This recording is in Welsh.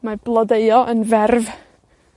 Mae blodeuo yn ferf.